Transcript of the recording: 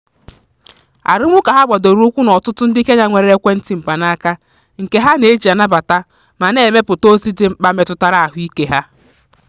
Arụmụụka ha gbadoro ụkwụ na ọtụtụ ndị Kenya nwere ekwentị mpanaaka, nke ha na-eji anabata ma na-emepụta ozi dị mkpa metụtara ahụike ha.